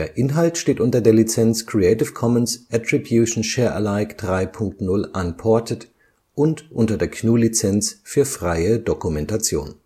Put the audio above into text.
Inhalt steht unter der Lizenz Creative Commons Attribution Share Alike 3 Punkt 0 Unported und unter der GNU Lizenz für freie Dokumentation